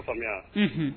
N'a faamuyamu